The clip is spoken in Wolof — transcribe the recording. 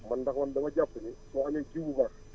man ndax man dama jàpp ni soo amee jiw bu baax